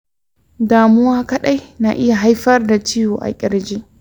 damuwa kaɗai na iya haifar da ciwo a kirji?